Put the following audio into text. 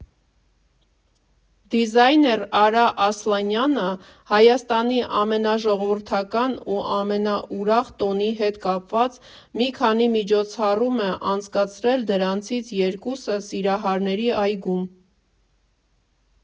Դիզայներ Արա Ասլանյանը Հայաստանի ամենաժողովրդական ու ամենաուրախ տոնի հետ կապված մի քանի միջոցառում է անցկացրել, դրանցից երկուսը՝ Սիրահարների այգում։